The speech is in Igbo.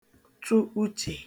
tụ uchè